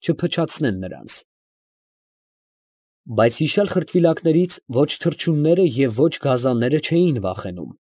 Չփչացնեն նրանց։ Բայց հիշյալ խրտվիլակներից ո՛չ թռչունները և ո՛չ գազանները չէին վախենում։